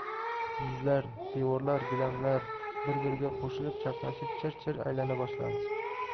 yuzlar devorlar gilamlar birbiriga qo'shilib chaplashib chir chir aylana boshladi